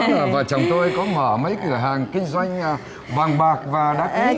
vợ chồng tôi có mở mấy cửa hàng kinh doanh vàng bạc và đá quý